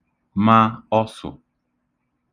ma ọsụ̀